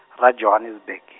ra Johannesburg.